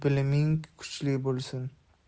biliming kuchli bo'lsin